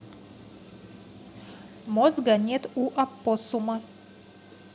мозга нет у оппосума